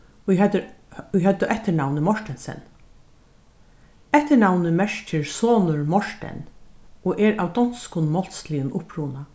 ið høvdu eftirnavnið mortensen eftirnavnið merkir sonur morten og er av donskum málsligum uppruna